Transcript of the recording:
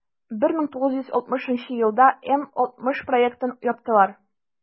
1960 елда м-60 проектын яптылар.